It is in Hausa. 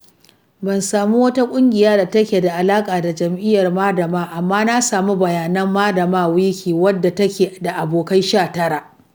Ban samu wata ƙungiya da take da alaƙa da Jam'iyyar MDM, amma na samu bayanan MDMWIKI, wadda take da abokai 19.